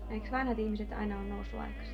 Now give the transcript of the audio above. eikös vanhat ihmiset aina ole noussut aikaisin